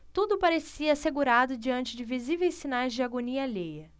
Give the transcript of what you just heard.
tudo parecia assegurado diante de visíveis sinais de agonia alheia